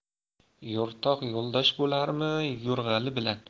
yo'rtoq yo'ldosh bo'larmi yo'rg'ali bilan